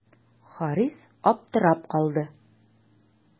Харис аптырап калды.